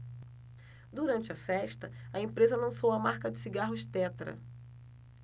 durante a festa a empresa lançou a marca de cigarros tetra